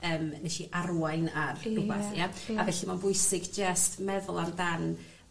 yym nes i arwain ar rwbath.. Ie. ...ia... Ie. ...a felly mae'n bwysig jyst meddwl amdan